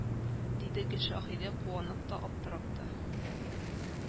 Диде гөлшәһидә куанып та, аптырап та